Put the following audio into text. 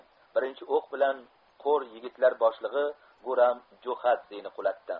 birinchi o'q bilai ko'r yigitlar boshlig'i guram jo'xadzeni qulatdi